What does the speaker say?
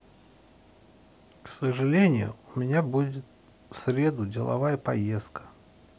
к сожалению у меня будет в среду деловая поездка